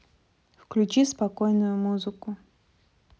включи спокойную музыку